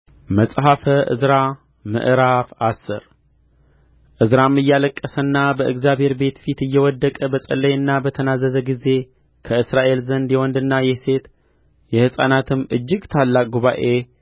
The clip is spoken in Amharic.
መጽሐፈ ዕዝራ ምዕራፍ አስር ዕዝራም እያለቀሰና በእግዚአብሔር ቤት ፊት እየወደቀ በጸለየና በተናዘዘ ጊዜ ከእስራኤል ዘንድ የወንድና የሴት የሕፃናትም እጅግ ታላቅ ጉባኤ